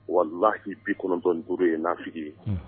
Wala lahi bi kɔnɔntɔn duuru ye nafi ye